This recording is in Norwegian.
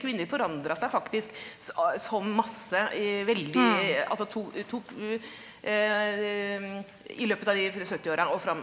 kvinner forandra seg faktisk så masse i veldig , altså tok i løpet av de syttiåra og fram.